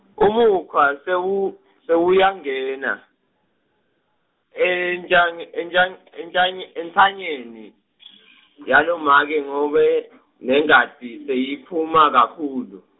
Umukhwa sewu- sewuyangena, entsanye, entsan- entsanye, entsanyeni , yalomake ngobe , nengati seyiphuma kakhulu.